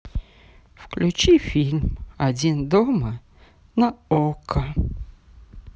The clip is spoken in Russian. включи фильм один дома на окко